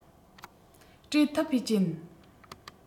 དྲས མཐུད བའི རྐྱེན